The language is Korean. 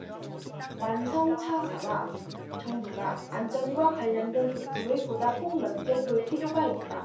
완성차사와 정부가 안전과 관련된 부품을 보다 폭 넓게 볼 필요가 있다